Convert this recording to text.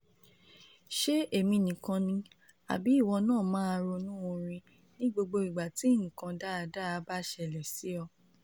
Ṣé èmi nìkan ni àbí ìwọ náà máa ronú orin ní gbogbo ìgbà tí nǹkan dáadáa bá ṣẹlẹ̀ sí ọ.